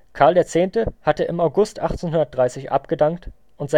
Karl X. hatte im August 1830 abgedankt und